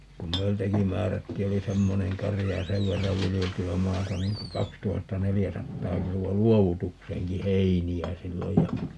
kun meiltäkin määrättiin oli semmoinen karja ja sen verran viljeltyä maata niin kuin kaksituhattaneljäsataa kiloa luovutukseenkin heiniä silloin ja